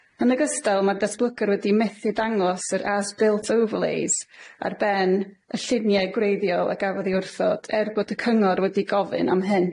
Yn ogystal, ma'r datblygwr wedi methu dangos yr as-built overlays ar ben y llunie gwreiddiol a gafodd ei wrthod, er bod y cyngor wedi gofyn am hyn.